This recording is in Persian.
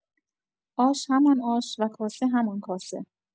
آش همان آش و کاسه همان کاسه